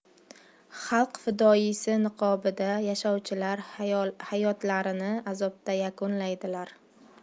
xalq fidoyisi niqobida yashovchilar hayotlarini azobda yakunlaydilar